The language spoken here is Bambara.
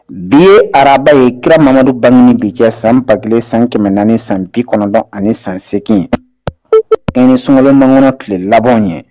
Bi ye araba ye kira mamadu ba bɛ kɛ san bale san kɛmɛ naani ni san bi kɔnɔntɔn ani san8egin ye i ni sungɔ mang tile labanw ye